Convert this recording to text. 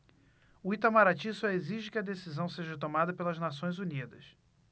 o itamaraty só exige que a decisão seja tomada pelas nações unidas